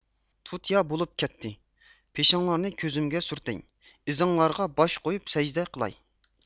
تۇتىيا بولۇپ كەتتى پېشىڭلارنى كۆزۈمگە سۈرتەي ئىزىڭلارغا باش قويۇپ سەجدە قىلاي